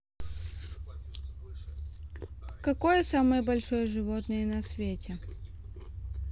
какое самое большое животное на свете